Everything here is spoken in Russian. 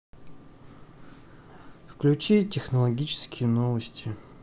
включи технологические новости